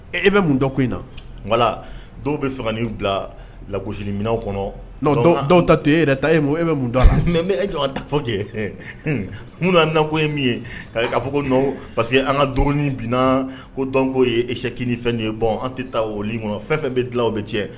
E bɛ mun ko in na nka dɔw bɛ fanga bila lagosimin kɔnɔ dɔw ta to e yɛrɛ ta e e bɛ mun mɛ e jɔ ka taa fɔ kɛ minnu nakɔ ye min ye' k'a fɔ ko parce que an ka dɔgɔnin bin ko dɔn k'o ye ecki ni fɛn nin ye bɔn an tɛ taa o kɔnɔ fɛn fɛn bɛ dilanw bɛ cɛ